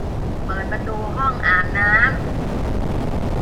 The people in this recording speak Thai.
เปิดประตูห้องอาบน้ำ